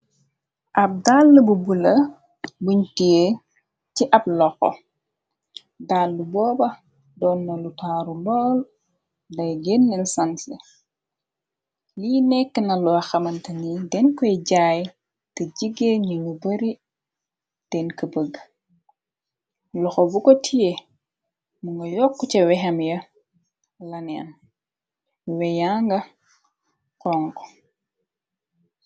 Ab dàlla bu bula buñ tiee ci ab loxo dalla booba doonna lu taaru lool day gennen sanse lii nekk na loo xamanta ni den koy jaay te jigee ñu nu bari den kë bëgg loxo bu ko tiyee mu nga yokk ca wexem ya laneen weyanga konku.